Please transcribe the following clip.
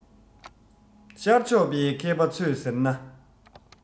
ཤར ཕྱོགས པའི མཁས པ ཚོས ཟེར ན